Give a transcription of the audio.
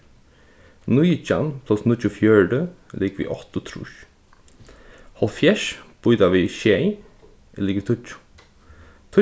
nítjan pluss níggjuogfjøruti er ligvið áttaogtrýss hálvfjerðs býta við sjey er ligvið tíggju